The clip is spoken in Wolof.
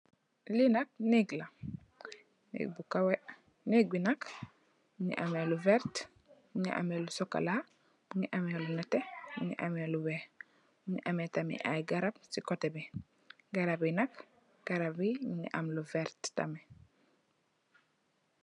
Lii nak nehgg la, nehgg bu kaweh, nehgg bii nak mungy ameh lu vertue, mungy ameh lu chocolat, mungy ameh lu nehteh, mungy ameh lu wekh, mungy ameh tamit aiiy garab cii coteh bii, garab yii nak, garab yii njungy am lu vertue tamit.